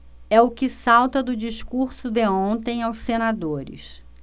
é o que salta do discurso de ontem aos senadores